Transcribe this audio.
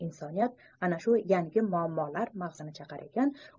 insoniyat ana shu yangi muammolar mag'zini chaqar ekan